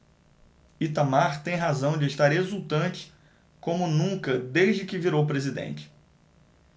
itamar tem razão de estar exultante como nunca desde que virou presidente